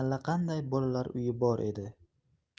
allaqanday bolalar uyi bor edi